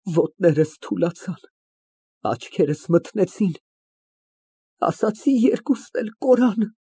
Ոտներս թուլացան, աչքերս մթնեցին, ասացի երկուսն էլ կորան։